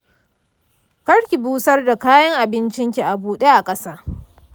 karki busar da kayan abincinki a bude a ƙasa.